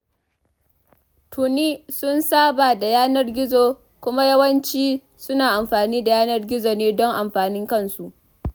Tuni sun saba da yanar-gizo, kuma yawanci suna amfani da yanar-gizo ne don amfanin kansu.